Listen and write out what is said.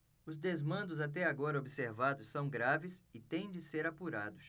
os desmandos até agora observados são graves e têm de ser apurados